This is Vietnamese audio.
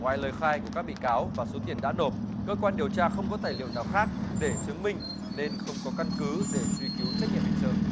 ngoài lời khai của các bị cáo và số tiền đã nộp cơ quan điều tra không có tài liệu nào khác để chứng minh nên không có căn cứ để truy cứu trách nhiệm hình sự